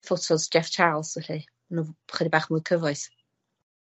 ffotos Jeff Charles fell ma' nw chydig bach mwy cyfoes.